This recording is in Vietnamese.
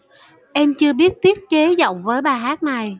em chưa biết tiết chế giọng với bài hát này